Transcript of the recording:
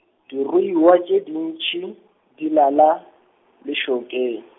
diruiwa tše di ntšhi, di lala, lešokeng.